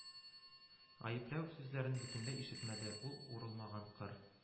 Гаепләү сүзләрен бөтенләй ишетмәде, ул урылмаган кыр